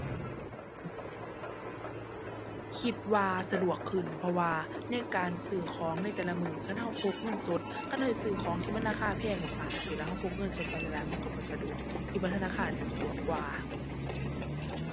คิดว่าสะดวกขึ้น เพราะว่าในการซื้อของในแต่ละมื้อ คันเราพกเงินสด คันเราสิซื้อของที่มันราคาแพงมากมากจั่งซี้แล้วเราพกเงินสดไปหลายหลายมันเราบ่สะดวก คิดว่าธนาคารจะสะดวกกว่า